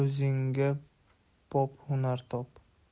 o'zingga bop hunar top